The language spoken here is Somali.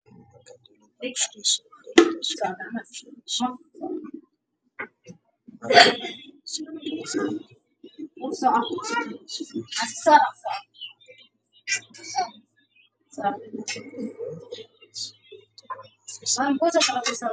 Waa xafiis waxaa joogo niman iyo naago ciidamo